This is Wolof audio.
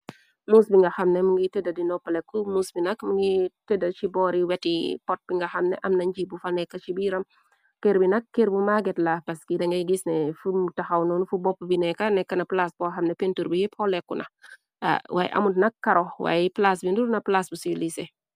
Moos bi nga xamne mu ngiy tëdda di noppa lekku moos bi nak mu ngiy tëda ci boor i weti pot bi nga xamne am na njii bu fa nekka ci biiram kër bi nak kër bu maaget la pes gi da ngay gis ne fum taxaw noonu fu bopp bi nekka nekkna plaas bo xamne pintur bi ip xolekku na way amu nak karox way plaas bi ndur na plaas bu siy liise.